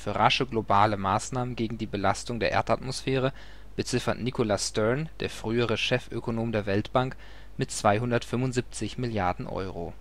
globale Maßnahmen gegen die Belastung der Erdatmosphäre beziffert Nicholas Stern, der frühere Chefökonom der Weltbank, mit 275 Milliarden Euro